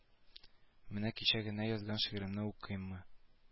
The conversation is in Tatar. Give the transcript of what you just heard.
Менә кичә генә язган шигыремне укыйммы